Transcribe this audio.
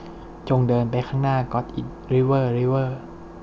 จงเดินไปข้างหน้าก็อทอิทริเวอร์ริเวอร์